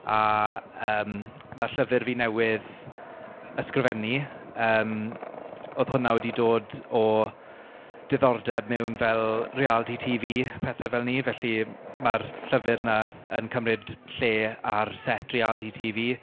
A yym mae'r llyfr fi newydd ysgrifennu yym oedd hwnna wedi dod o diddordeb mewn fel reality tv, pethau fel 'ny. Felly mae'r llyfr 'na yn cymryd lle ar set reality tv.